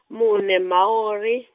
mune Mhawuri.